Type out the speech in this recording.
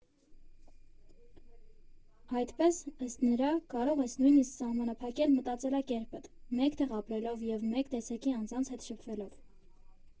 Այդպես, ըստ նրա, կարող ես նույնիսկ սահմանափակել մտածելակերպդ՝ մեկ տեղ ապրելով և մեկ տեսակի անձանց հետ շփվելով։